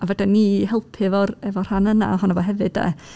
a fedrwn ni helpu efo'r efo'r rhan yna ohono fo hefyd de.